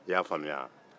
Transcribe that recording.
i y'a faamuya wa